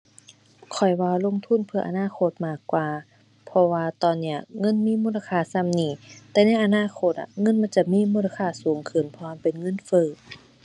ข้อยว่าลงทุนเพื่ออนาคตมากกว่า เพราะว่าตอนเนี้ยเงินมีมูลค่าส่ำนี้ แต่ในอนาคตอะ เงินมันจะมีมูลค่าสูงขึ้น เพราะว่าเป็นเงินเฟ้อ